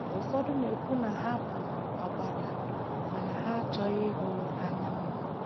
Ụfọdụ na-ekwu na ha bụ ọbara mana ha achọghị ịhụ anyaanwụ